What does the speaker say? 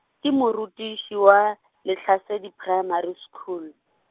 ke morutiši wa, Lehlasedi Primary School.